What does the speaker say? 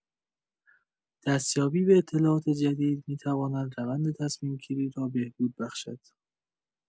دستیابی به اطلاعات جدید می‌تواند روند تصمیم‌گیری را بهبود بخشد.